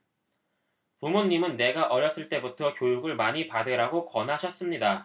부모님은 내가 어렸을 때부터 교육을 많이 받으라고 권하셨습니다